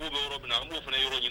U' bɛ yɔrɔ min na a b'o fana yɔrɔ ɲini